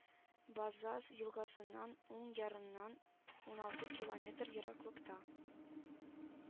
Базас елгасыннан уң ярыннан уналты километр ераклыкта